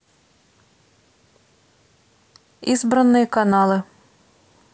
избранные каналы